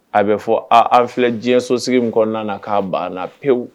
A bɛ fɔ an filɛ diɲɛso sigi kɔnɔna na k'a banna pewu